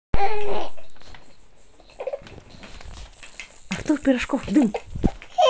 артур пирожков дым